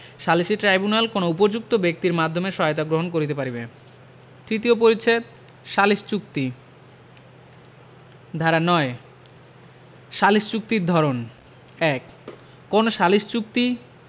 সালিসী ট্রাইব্যুনাল কোন উপযুক্ত ব্যক্তির মাধ্যমে সহায়তা গ্রহণ করিতে পারিবে তৃতীয় অনুচ্ছেদ সালিস চুক্তি ধারা ৯ সালিস চুক্তির ধরণঃ ১ কোন সালিস চুক্তি